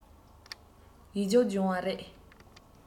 ཡིག རྒྱུགས སྦྱོང བ རེད